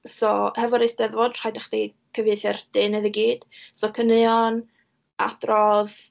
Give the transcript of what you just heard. So hefo'r Eisteddfod rhaid i chdi cyfieithu'r deunydd i gyd. So caneuon, adrodd.